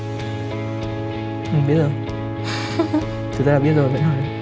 anh biết rồi thực ra là biết rồi vẫn hận